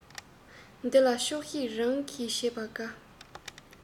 འདི ལ ཆོག ཤེས རང གིས བྱས པ དགའ